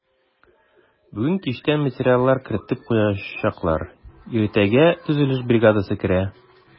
Бүген кичтән материаллар кертеп куячаклар, иртәгә төзелеш бригадасы керә.